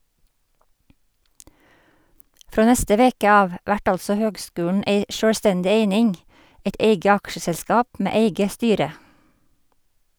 Frå neste veke av vert altså høgskulen ei sjølvstendig eining , eit eige aksjeselskap med eige styre.